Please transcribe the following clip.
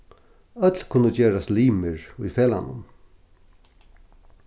øll kunnu gerast limir í felagnum